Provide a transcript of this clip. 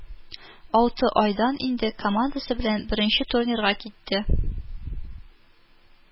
Алты айдан инде командасы белән беренче турнирга китте